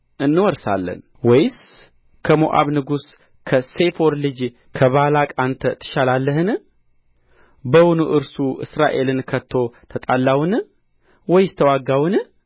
እንወርሳለን ወይስ ከሞዓብ ንጉሥ ከሴፎር ልጅ ከባላቅ አንተ ትሻላለህን በውኑ እርሱ እስራኤልን ከቶ ተጣላውን ወይስ ተዋጋውን